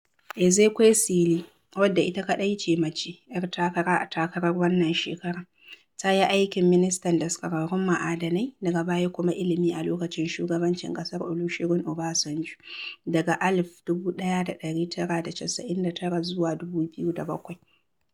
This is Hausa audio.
Ezekwesili, wadda ita kaɗai ce mace 'yar takara a takarar wannan shekarar, ta yi aikin ministar daskararrun ma'adanai daga baya kuma ilimi a lokacin shugabancin ƙasar Olusegun Obasanjo daga 1999 zuwa 2007.